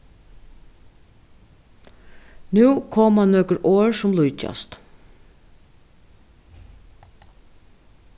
nú koma nøkur orð sum líkjast